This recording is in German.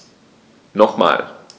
Nochmal.